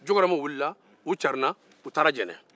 jakoramaw carinna ka taa jɛnɛ